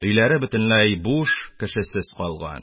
Өйләре бөтенләй буш, кешесез калган.